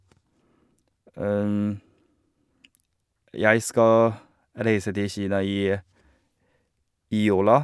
Jeg skal reise til Kina i i jula.